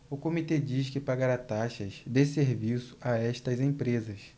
o comitê diz que pagará taxas de serviço a estas empresas